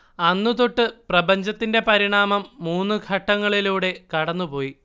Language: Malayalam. അന്നു തൊട്ട് പ്രപഞ്ചത്തിന്റെ പരിണാമം മൂന്നു ഘട്ടങ്ങളിലൂടെ കടന്നുപോയി